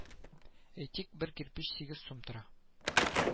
Әйтик, бер кирпеч сигез сум тора